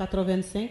85